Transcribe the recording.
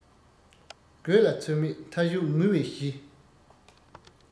དགོད ལ ཚོད མེད མཐའ གཞུག ངུ བའི གཞི